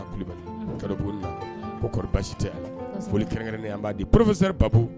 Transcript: Tɛ